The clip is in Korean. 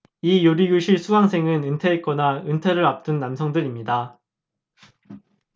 이 요리교실 수강생은 은퇴했거나 은퇴를 앞둔 남성들입니다